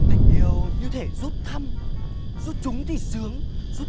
tình yêu như thể rút thăm rút trúng thì sướng rút